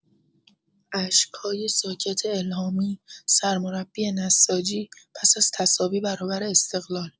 اشک‌های ساکت الهامی، سرمربی نساجی، پس از تساوی برابر استقلال